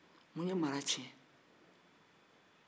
mun ye mara tiɲɛ